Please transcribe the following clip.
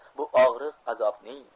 bu og'riq azobning